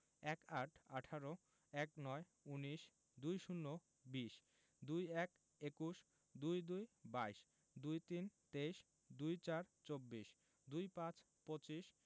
১৮ - আঠারো ১৯ - উনিশ ২০ - বিশ ২১ – একুশ ২২ – বাইশ ২৩ – তেইশ ২৪ – চব্বিশ ২৫ – পঁচিশ